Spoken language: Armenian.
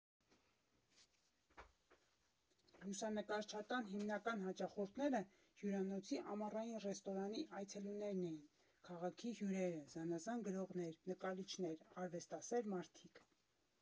Լուսանկարչատան հիմնական հաճախորդները հյուրանոցի ամառային ռեստորանի այցելուներն էին, քաղաքի հյուրերը, զանազան գրողներ, նկարիչներ, արվեստասեր մարդիկ։